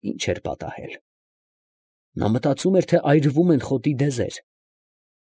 Ի՞նչ էր պատահել։ Նա մտածում էր, թե այրվում են խոտի դեզեր։